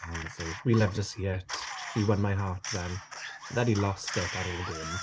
Honestly, we loved to see it. He won my heart then. Then he lost it ar ôl y gêm.